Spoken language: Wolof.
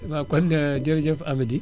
waaw kon jërëjëf amady